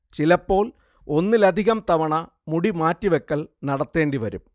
ചിലപ്പോൾ ഒന്നിലധികം തവണ മുടി മാറ്റിവെക്കൽ നടത്തേണ്ടി വരും